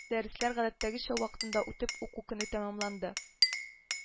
Дәресләр гадәттәгечә вакытында үтеп, уку көне тәмамланды